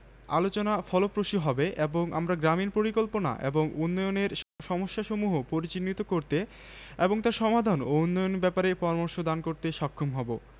আলোচনা ফলপ্রসূ হবে এবং আমরা গ্রামীন পরিকল্পনা এবং উন্নয়নের সমস্যাসমূহ পরিচিহ্নিত করতে এবং তার সমাধান ও উন্নয়ন ব্যাপারে পরামর্শ দান করতে সক্ষম হবো